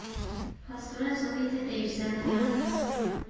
֊ Փաստորեն զոհիդ հետ էիր սելֆի անում…